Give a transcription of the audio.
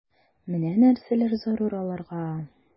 Менә нәрсәләр зарур аларга...